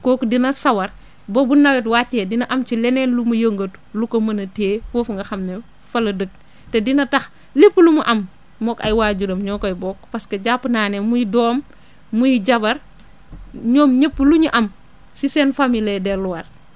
kooku dina sawar ba bu nawet wàccee dina am ci leneen lu mu yëngatu lu ko mën a téye foofu nga xam ne fa la dëkk te dina tax lépp lu mu am moog ay waajuram ñoo koy bokk parce que jàpp naa ne muy doom muy jabar ñoom ñëpp lu ñu am si seen famille lay delluwaat